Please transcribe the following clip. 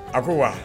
A ko wa